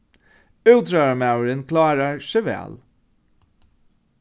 útróðrarmaðurin klárar seg væl